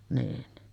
niin